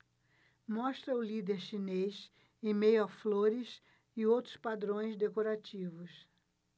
mostra o líder chinês em meio a flores e outros padrões decorativos